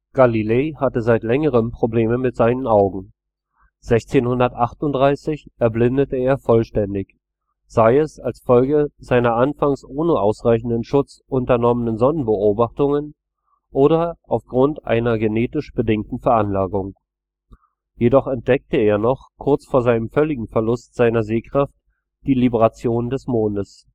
Galilei hatte seit längerem Probleme mit seinen Augen; 1638 erblindete er vollständig – sei es als Folge seiner anfangs ohne ausreichenden Schutz unternommenen Sonnenbeobachtungen oder aufgrund einer genetisch bedingten Veranlagung. Jedoch entdeckte er noch kurz vor dem völligen Verlust seiner Sehkraft die Libration des Mondes